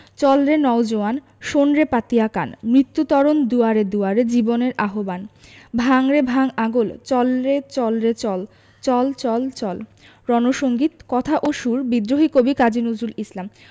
চল রে নও জোয়ান শোন রে পাতিয়া কান মৃত্যু তরণ দুয়ারে দুয়ারে জীবনের আহবান ভাঙ রে ভাঙ আগল চল রে চল রে চল চল চল চল রন সঙ্গীত কথা ও সুর বিদ্রোহী কবি কাজী নজরুল ইসলাম